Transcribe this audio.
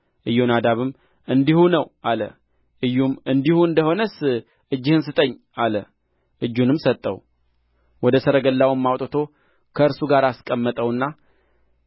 ኢዮናዳብም እንዲሁ ነው አለው ኢዩም እንዲሁ እንደ ሆነስ እጅህን ስጠኝ አለ እጁንም ሰጠው ወደ ሰረገላውም አውጥቶ ከእርሱ ጋር አስቀመጠውና